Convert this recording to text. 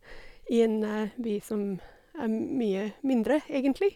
I en by som er mye mindre, egentlig.